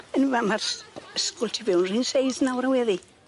Yn fa- ma'r s- ysgol tu fewn yr un seis nawr a w- eddi.